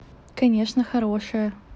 конечно хорошее